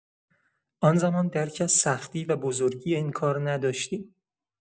آن‌زمان درکی از سختی و بزرگی این کار نداشتیم.